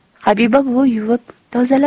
habiba buvi yuvib tozalab